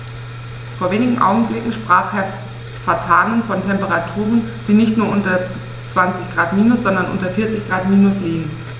Vor wenigen Augenblicken sprach Herr Vatanen von Temperaturen, die nicht nur unter 20 Grad minus, sondern unter 40 Grad minus liegen.